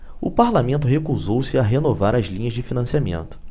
o parlamento recusou-se a renovar as linhas de financiamento